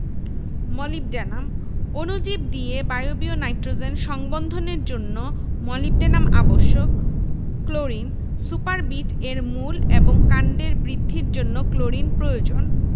molybdenum অণুজীব দিয়ে বায়বীয় নাইট্রোজেন সংবন্ধনের জন্য মোলিবডেনাম আবশ্যক ক্লোরিন সুপারবিট এর মূল এবং কাণ্ডের বৃদ্ধির জন্য ক্লোরিন প্রয়োজন